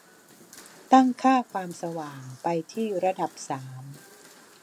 ตั้งค่าความสว่างไปที่ระดับสาม